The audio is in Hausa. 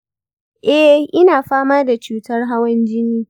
eh, ina fama da cutar hawan jini